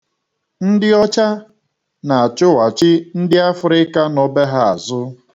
Ndị ọcha na-achụghachi ndị Afrịka nọ be ha azụ